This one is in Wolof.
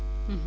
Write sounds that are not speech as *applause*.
*hesitation* *hesitation*